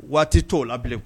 Waati t'o lab